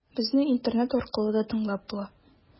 Безне интернет аркылы да тыңлап була.